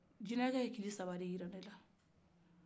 jinɛkɛ ye kilisaba de jira ne la